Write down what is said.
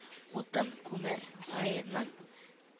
Утын-күмер сараеннан